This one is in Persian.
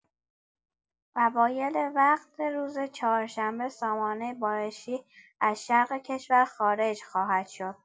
اوایل وقت روز چهارشنبه سامانه بارشی از شرق کشور خارج خواهد شد.